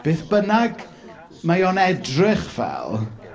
Beth bynnag mae o'n edrych fel...